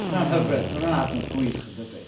Ma' hwnna'n hyfryd, mae hwnna'n adnod gwych yn dydi?